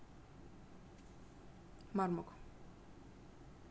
marmok